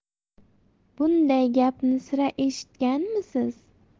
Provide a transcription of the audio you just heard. bunday gapni sira eshitganmisiz